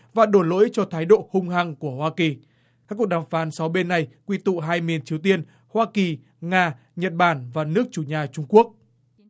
và đổ lỗi cho thái độ hung hăng của hoa kỳ các cuộc đàm phán sáu bên này quy tụ hai miền triều tiên hoa kỳ nga nhật bản và nước chủ nhà trung quốc